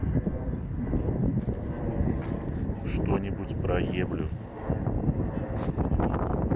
что нибудь про еблю